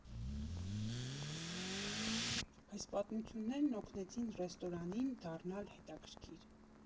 Այս պատմություններն օգնեցին ռեստորանին դառնալ հետաքրքիր։